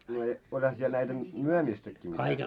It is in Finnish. ne olihan siellä näitä myymistäkin mitä